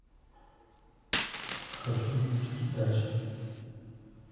хочу мультики тачки